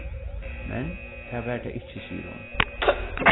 men tað var tað ikki sigur hon